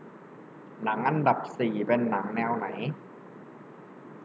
หนังอันดับสี่เป็นหนังแนวไหน